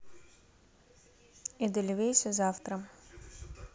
эдельвейс завтра